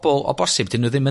pobol o bosib di n'w ddim yn